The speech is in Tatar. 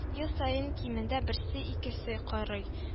Ел саен кимендә берсе-икесе корый